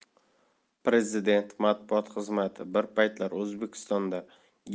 prezident matbuot xizmati bir paytlar o'zbekistonda